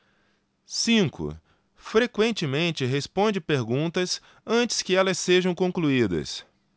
cinco frequentemente responde perguntas antes que elas sejam concluídas